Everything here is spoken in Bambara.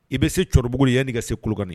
I bɛ se cɛkɔrɔbaugu i yan' ka sekani